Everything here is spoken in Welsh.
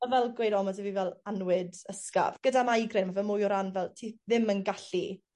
ma' fel gweud o ma' 'dy fi fel annwyd ysgaf gyda migraine ma' fe mwy o ran fel ti ddim yn gallu